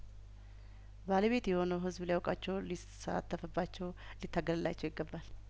ባለቤት የሆነው ህዝብ ሊያውቃቸው ሊሳተፍባቸው ሊታገልላቸው ይገባል